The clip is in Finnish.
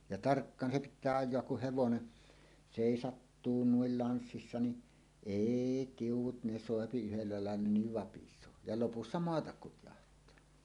ja tarkkaan se pitää ajaa kun hevonen seisahtuu noin lanssissa niin ei tiu'ut ne soi yhdellä lailla niin vapisee ja lopussa maata kutjahtaa